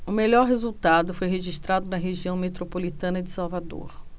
o melhor resultado foi registrado na região metropolitana de salvador